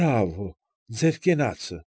Բրավո, ձեր կենացը։ ֊